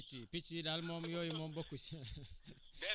loolu c' est valable pour toutes les espèces sauf picc yi